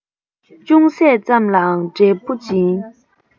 ཅུང ཟད ཙམ ལའང འབྲས བུ འབྱིན